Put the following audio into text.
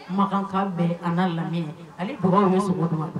Makankan bɛɛ an'a lamɛn ale kɔrɔw bɛ sogo duman